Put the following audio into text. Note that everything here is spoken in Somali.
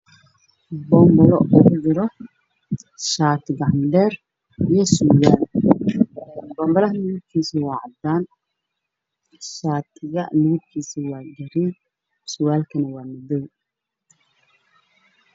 Bonbalo ugu jiro shaati gacma dheere iyo surwaal midab koodu waa guduud